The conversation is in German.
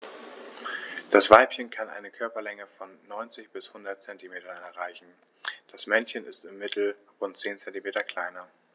Das Weibchen kann eine Körperlänge von 90-100 cm erreichen; das Männchen ist im Mittel rund 10 cm kleiner.